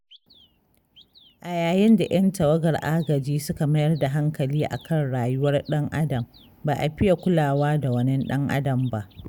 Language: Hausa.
A yayin da 'yan tawagar agaji suka mayar da hankali a kan rayuwar ɗan-adam, ba a fiya kulawa da wanin dan-adam ba.